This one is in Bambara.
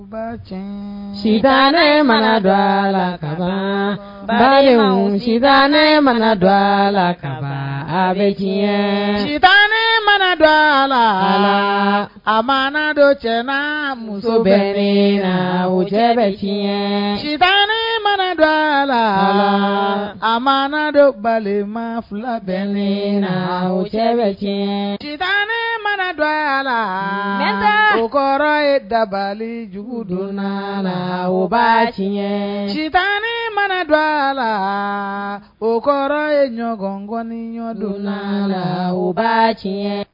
Ba sita ne mana dɔ a la ba bali ne mana dɔ a la kalan bɛ diɲɛɲɛta ne mana dɔ a la a ma dɔ jɛnɛ muso bɛ la cɛ bɛɲɛ sita ne mana dɔ a la a ma dɔbalima fila bɛ ne la cɛ bɛ tiɲɛ ne mana dɔ a la mɛ o kɔrɔ ye dabalijugu don a la ba tiɲɛɲɛ sita ne mana don a la o kɔrɔ ye ɲɔgɔnkɔni ɲɔgɔndon la la ba tiɲɛ